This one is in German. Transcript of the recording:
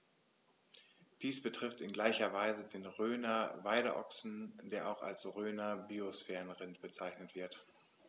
Dies betrifft in gleicher Weise den Rhöner Weideochsen, der auch als Rhöner Biosphärenrind bezeichnet wird.